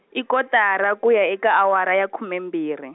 i kotara ku ya eka awara ya khume mbirhi.